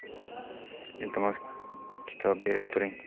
iltimos kitob berib turing